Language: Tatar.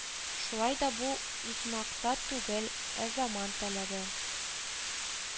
Шулай да бу үзмаксат түгел, ә заман таләбе